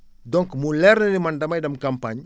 donc mu leer nla ni man damay dem campagne